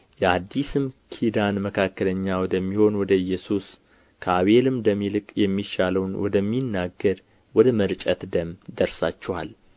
የአዲስም ኪዳን መካከለኛ ወደሚሆን ወደ ኢየሱስ ከአቤልም ደም ይልቅ የሚሻለውን ወደሚናገር ወደ መርጨት ደም ደርሳችኋል